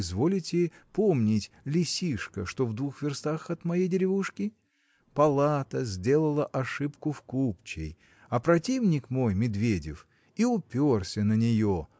изволите помнить лесишко, что в двух верстах от моей деревушки? Палата сделала ошибку в купчей а противник мой Медведев и уперся на нее